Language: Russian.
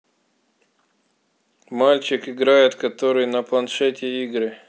мальчик играет который на планшете игры